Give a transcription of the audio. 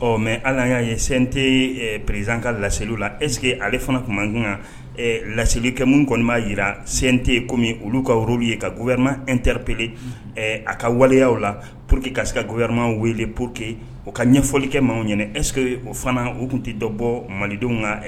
Mɛ ala y'a yete pererez ka laseliw la essekeke ale fana tun mankunkan laselilikɛ minnu kɔni' jirarate komi olu ka woro ye kauɛma nreperele a ka waleyaw la pur que ka se ka guɛmaw weele pur que u ka ɲɛfɔlikɛ maaw ɲini eseke o fana u tun tɛ dɔbɔ malidenw ka